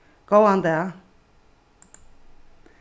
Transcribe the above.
góðan dag